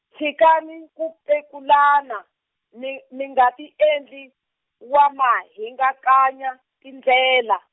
tshikani ku pekulana, mi mi nga tiendli, wamahingakanya tindlela.